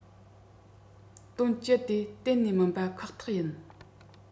དོན སྤྱི དེ གཏན ནས མིན པ ཁག ཐག ཡིན